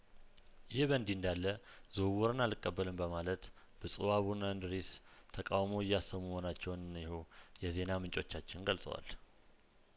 ይህ በእንዲህ እንዳለ ዝውውሩን አልቀበልም በማለት ብጹእአቡነ እንድሪስ ተቃውሞ እያሰሙ መሆናቸውን እኒሁ የዜና ምንጮቻችን ገልጸዋል